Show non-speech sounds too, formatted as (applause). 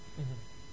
(hesitation) (hesitation)